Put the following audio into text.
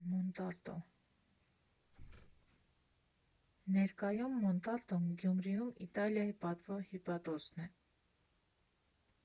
Ներկայում Մոնտալտոն Գյումրիում Իտալիայի պատվո հյուպատոսն է։